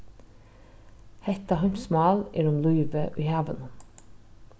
hetta heimsmál er um lívið í havinum